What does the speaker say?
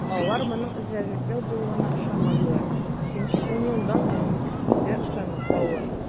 Алар моның эзәрлекләү булуына ышанмадылар, чөнки ун елдан соң мондый сүзгә ышану авыр.